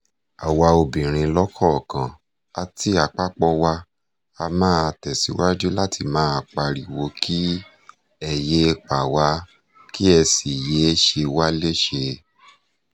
Àwa obìnrin lọ́kọ̀ọ̀kan àti àpapọ̀ọ wa, a máa tẹ̀síwajú láti máa pariwo kí "ẹ yéé pa wá" kí ẹ sì "yéé ṣe wá léṣe".